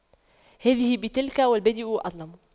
هذه بتلك والبادئ أظلم